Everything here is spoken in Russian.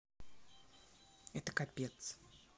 это капец